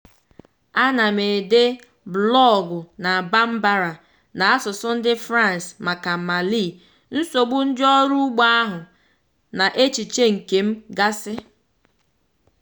Ana m ede blọọgụ na Bambara na asụsụ ndị France maka Mali, nsogbu ndị ọrụ ugbo ahụ, na echiche nke m gasị.